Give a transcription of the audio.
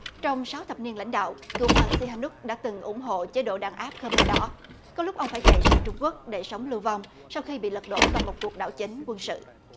trong sáu thập niên lãnh đạo cựu hoàng si ha núc đã từng ủng hộ chế độ đàn áp khơ me đỏ có lúc ông phải chạy sang trung quốc để sống lưu vong sau khi bị lật đổ bằng một cuộc đảo chính quân sự